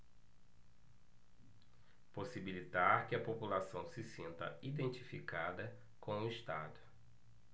possibilitar que a população se sinta identificada com o estado